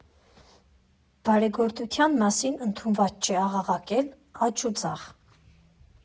Բարեգործության մասին ընդունված չէ աղաղակել աջուձախ։